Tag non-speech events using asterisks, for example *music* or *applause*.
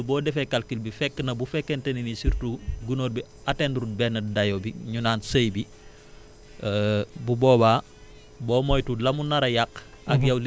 mais loolu boo defee calcul bi na bu fekkante ne ni surtout gunóor bi atteindre lul benn dayoo bi ñu naan seuil bi *hesitation* bu boobaa boo moytuwul la mu nar a yàq